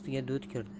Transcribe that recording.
ostiga dud kirdi